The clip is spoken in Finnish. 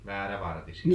väärävartisia